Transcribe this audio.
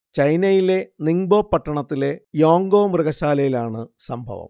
ചൈനയിലെ നിങ്ബോ പട്ടണത്തിലെ യോങോ മൃഗശാലയിലാണ് സംഭവം